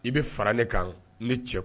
I bɛ fara ne kan ni cɛ